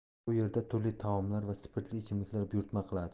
bu yerda turli taomlar va spirtli ichimlik buyurtma qiladi